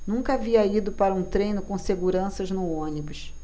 nunca havia ido para um treino com seguranças no ônibus